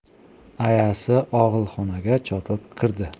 ayasi og'ilxonaga chopib kirdi